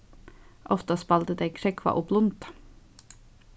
ofta spældu tey krógva og blunda